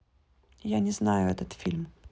я не знаю этот фильм